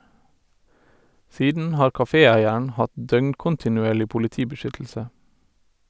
Siden har kaféeieren hatt døgnkontinuerlig politibeskyttelse.